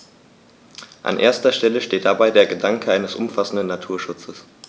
An erster Stelle steht dabei der Gedanke eines umfassenden Naturschutzes.